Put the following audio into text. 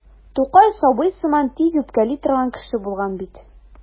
Тукай сабый сыман тиз үпкәли торган кеше булган бит.